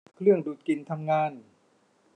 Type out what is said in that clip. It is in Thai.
เครื่องดูดกลิ่นทำงาน